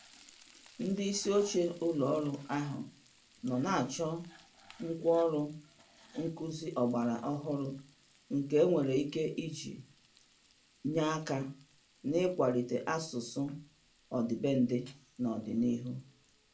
Ndị ịsị oche ụlọ ọrụ ahụ nọ na-achọ ngwaọrụ nkuzi ọgbara ohụrụ nke e nwere ike iji nye aka na-ịkwalite asụsụ ọdịbendị n'ọdịnihu.